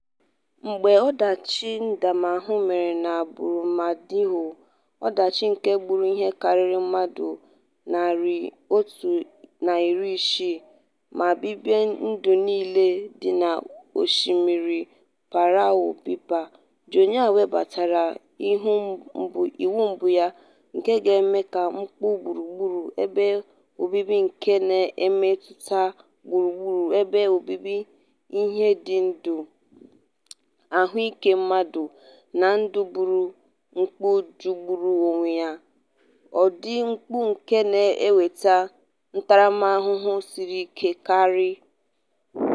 Mgbe ọdachi dam ahụ mere na Brumadinho, ọdachi nke gburu ihe karịrị mmadụ 160 ma bibie ndụ niile dị na Osimiri Paraopeba, Joenia webatara iwu mbụ ya, nke ga-eme ka mpụ gburugburu ebe obibi nke na-emetụta gburugburu ebe obibi ihe ndị dị ndụ, ahụike mmadụ, na ndụ bụrụ "mpụ jọgburu onwe ya", ụdị mpụ nke na-eweta ntaramahụhụ siri ike karị.